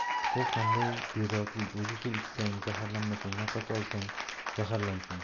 bu qanday bedodlik o'zi suv ichsang zaharlansang nafas olsang zaharlansang